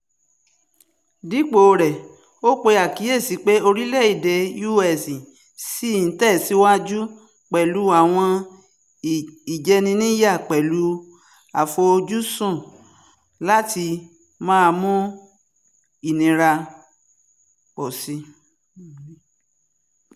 Dípò rẹ̀, ó pe àkíyèsí pé, orílẹ̀-èdè U.S. si ńtẹ̀síwájú pẹ̀lú àwọn ìjẹniníyà pẹ̀lú àfojúsùn láti máa mú ìnira pọ̀síi.